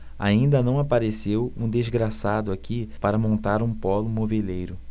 ainda não apareceu um desgraçado aqui para montar um pólo moveleiro